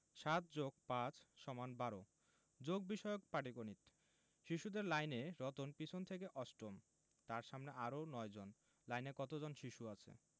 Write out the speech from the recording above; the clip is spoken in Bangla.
৭+৫ = ১২ যোগ বিষয়ক পাটিগনিতঃ শিশুদের লাইনে রতন পিছন থেকে অষ্টম তার সামনে আরও ৯ জন লাইনে কত জন শিশু আছে